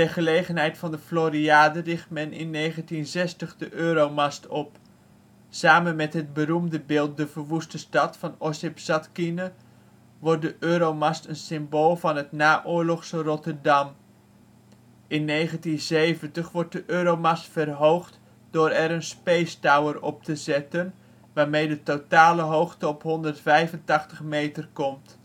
gelegenheid van de Floriade richt men in 1960 de Euromast op. Samen met het beroemde beeld ' De Verwoeste Stad ' van Ossip Zadkine wordt de Euromast een symbool van het naoorlogse Rotterdam. In 1970 wordt de Euromast verhoogd door er een Space Tower op te zetten, waarmee de totale hoogte op 185 meter komt